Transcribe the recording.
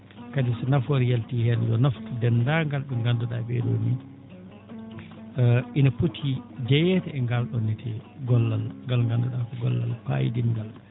kadi so nafoore yaltii heen yo naftu denndaagal ?e nganndu?aa ?ee ?oo nii ina poti jeyeede e ngaal ?oon gollal ngal nganndu?aa ko gollal paayidinngal